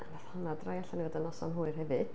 A wnaeth honno droi allan i fod yn noson hwyr hefyd.